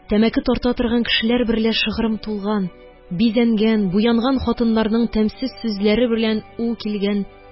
Тәмәке тарта торган кешеләр берлә шыгрым тулган, бизәнгән, буянган хатыннарның тәмсез сүзләре берлә уу килгән